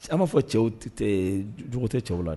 An ma fɔ cɛw jogo tɛ cɛw la